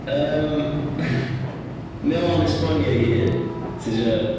Yym mae o'n esbonio ei hun, ti isio...